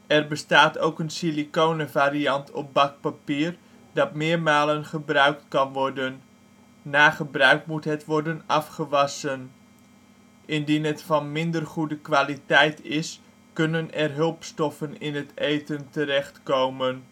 Er bestaat ook een siliconen variant op bakpapier, dat meermalen gebruikt kan worden. Na gebruik moet het worden afgewassen. Indien het van minder goede kwaliteit is, kunnen er hulpstoffen in het eten terecht komen